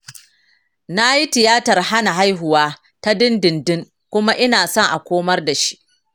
na yi tiyatar hana haihuwa ta dindindin kuma ina son a komar dashi .